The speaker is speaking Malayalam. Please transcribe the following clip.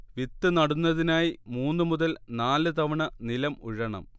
വിത്ത് നടുന്നതിനായി മൂന്ന് മുതൽ നാല് തവണ നിലം ഉഴണം